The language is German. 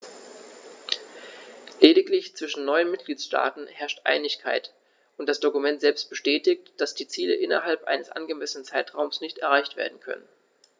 Lediglich zwischen neun Mitgliedsstaaten herrscht Einigkeit, und das Dokument selbst bestätigt, dass die Ziele innerhalb eines angemessenen Zeitraums nicht erreicht werden können.